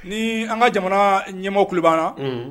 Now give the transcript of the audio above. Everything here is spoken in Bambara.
Ni an ka jamana ɲɛmɔgɔ tulo b'an na, un